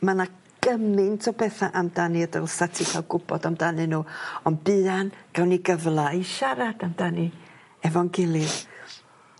Ma' 'na gymint o betha amdani a dylsa ti ca'l gwbod amdanyn n;w ond buan gawn ni gyfla i siarad amdani efo'n gilydd